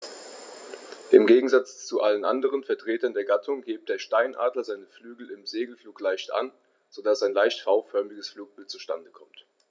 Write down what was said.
Im Gegensatz zu allen anderen Vertretern der Gattung hebt der Steinadler seine Flügel im Segelflug leicht an, so dass ein leicht V-förmiges Flugbild zustande kommt.